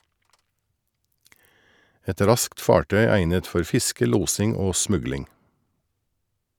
Et raskt fartøy egnet for fiske, losing og smugling.